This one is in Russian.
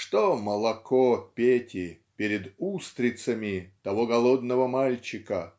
Что "молоко" Пети перед "устрицами" того голодного мальчика